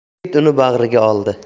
yigit uni bag'riga oldi